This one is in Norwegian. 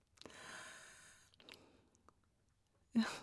Ja.